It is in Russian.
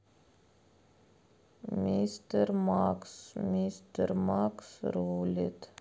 мистер макс мистер макс рулит